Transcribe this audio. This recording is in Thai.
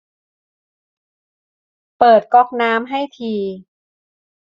เปิดก๊อกน้ำให้ที